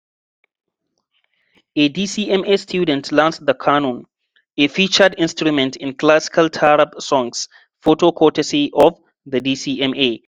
A DCMA student learns the qanun, a featured instrument in classical taarab songs. Photo courtesy of the DCMA.